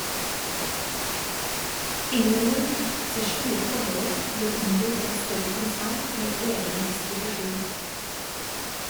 Innerloop ser store fordeler i å inngå i et større konsern med egen distribusjon.